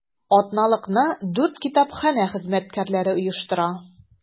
Атналыкны дүрт китапханә хезмәткәрләре оештыра.